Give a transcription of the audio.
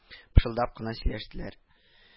Пышылдап кына сөйләштеләр